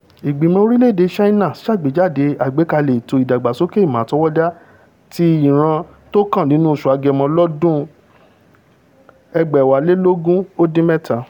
Ìgbìmọ̀ orílẹ̀-èdè Ṣáínà ṣàgbéjáde Àgbékalẹ Ètò Ìdàgbàsókè Ìmọ̀ Àtọwọ́dá ti Ìran Tókàn nínú oṣù Agẹmọ lọ́dún 2017.